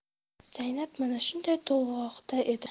zaynab mana shundan to'lg'oqda edi